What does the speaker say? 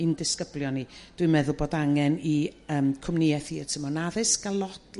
i'n disgyblion ni. Dwi'n meddwl bod angen i yrm cwmnïe theatr mewn addysg ga'l lot